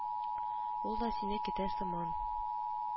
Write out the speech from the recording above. Ул да сине көтә сыман